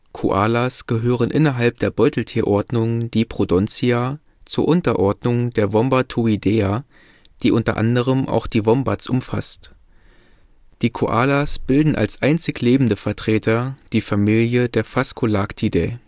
Koalas gehören innerhalb der Beuteltierordnung Diprotodontia zur Unterordnung der Vombatoidea, die unter anderem auch die Wombats umfasst (Näheres siehe Systematik der Diprotodontia). Die Koalas bilden als einzig lebende Vertreter die Familie der Phascolarctidae